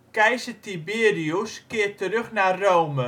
Keizer Tiberius keert terug naar Rome